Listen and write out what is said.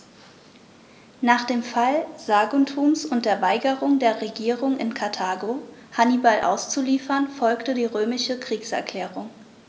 Nach dem Fall Saguntums und der Weigerung der Regierung in Karthago, Hannibal auszuliefern, folgte die römische Kriegserklärung.